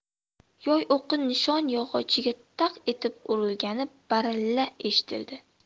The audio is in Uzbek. yoy o'qi nishon yog'ochiga taq etib urilgani baralla eshitildi